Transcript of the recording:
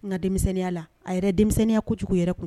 N ka denmisɛnninya la a yɛrɛ denmisɛnninya kojugu yɛrɛ kun